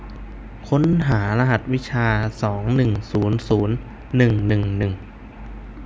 ค้นหารหัสวิชาสองหนึ่งศูนย์ศูนย์หนึ่งหนึ่งหนึ่ง